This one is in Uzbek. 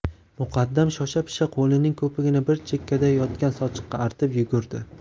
muqaddam shoshapisha qo'lining ko'pigini bir chekkada yotgan sochiqqa artib yugurdi